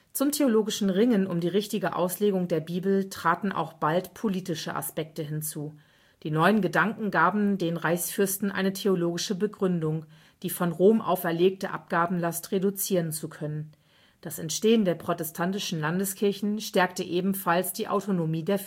Zum theologischen Ringen um die richtige Auslegung der Bibel traten auch bald politische Aspekte hinzu. Die neuen Gedanken gaben den Reichsfürsten eine theologische Begründung, die von Rom auferlegte Abgabenlast reduzieren zu können. Das Entstehen der protestantischen Landeskirchen stärkte ebenfalls die Autonomie der